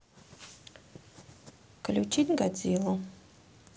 включить годзиллу